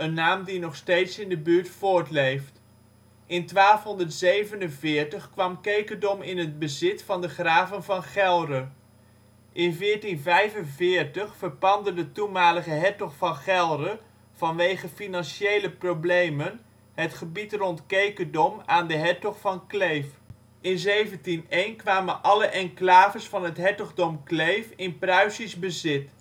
naam die nog steeds in de buurt voortleeft). In 1247 kwam Kekerdom in het bezit van de graven van Gelre. In 1445 verpandde de toenmalige hertog van Gelre vanwege financiële problemen het gebied rond Kekerdom aan de hertog van Kleef. In 1701 kwamen alle enclaves van het hertogdom Kleef in Pruisisch bezit